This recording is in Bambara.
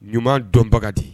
Ɲuman dɔnbaga d